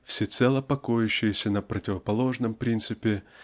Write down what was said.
всецело покоящаяся на противоположном принципе